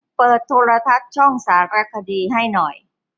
เปิดโทรทัศน์ช่องสารคดีให้หน่อย